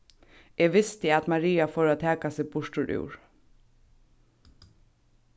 eg visti at maria fór at taka seg burturúr